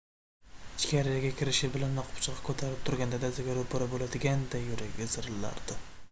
ichkariga kirishi bilanoq pichoq ko'tarib turgan dadasiga ro'para bo'ladiganday yuragi zirillardi